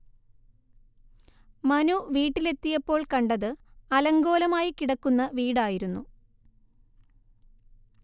മനു വീട്ടിലെത്തിയപ്പോൾ കണ്ടത് അലങ്കോലമായി കിടക്കുന്ന വീടായിരുന്നു